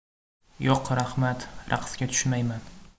yo'q raxmat raqsga tushmayman